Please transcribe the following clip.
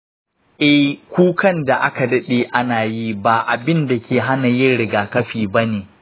ee, kukan da aka daɗe ana yi ba abin da ke hana yin rigakafi ba ne.